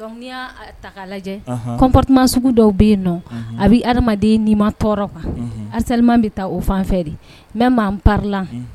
Ya lajɛ kɔnmpti sugu dɔw bɛ yen nɔ a bɛ adamaden ma tɔɔrɔ kansalilima bɛ taa o fan fɛ n maa pan